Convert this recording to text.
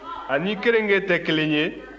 a ni kerenge tɛ kelen ye